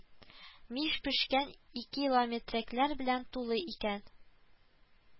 Мич пешкән икилометрәкләр белән тулы икән